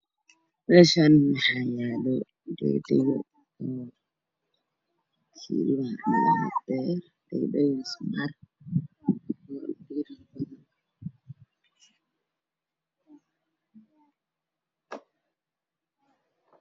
Mise waxaa yaalla miiska korkiisa waxaa saaran ma beel galkiisu waa caddaan iyo guduud